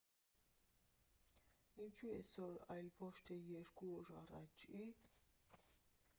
«Ինչո՞ւ էսօր, այլ ոչ թե երկու օր առաջ, ի՜»։